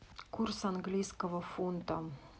курс английского фунта